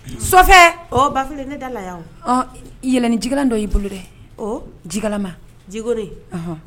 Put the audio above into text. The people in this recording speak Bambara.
So ba ne da la yan yɛlɛnijikalalan dɔ y'i bolo dɛ jikalama ji